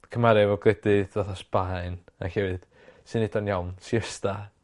Cymeru efo gwledydd fatha Sbaen a llefydd sy'n neud o'n iawn. Siesta